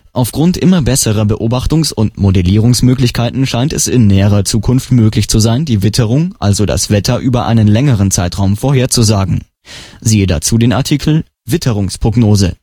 Aufgrund immer besserer Beobachtungs - und Modellierungsmöglichkeiten scheint es in näherer Zukunft möglich zu sein, die Witterung, also das Wetter über einen längeren Zeitraum, vorherzusagen. Siehe dazu den Artikel Witterungsprognose